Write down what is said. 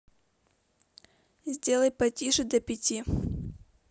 сделай потише до пяти